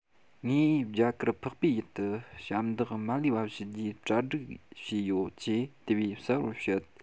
ངས རྒྱ གར འཕགས པའི ཡུལ དུ ཞབས འདེགས མ ལུས པ ཞུ རྒྱུའི གྲ སྒྲིག བྱས ཡོད ཅེས དེ བས གསལ པོར བཤད